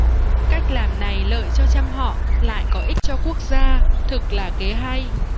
cách làm này lợi cho trăm họ lại có ích cho quốc gia thực là kế hay